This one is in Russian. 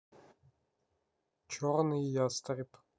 черный ястреб